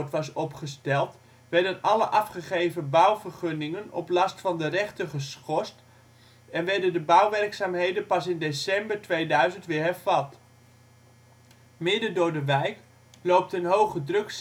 was opgesteld werden alle afgegeven bouwvergunningen op last van de rechter geschorst en werden de bouwwerkzaamheden pas in december 2000 weer hervat. Midden door de wijk loopt een hoge druk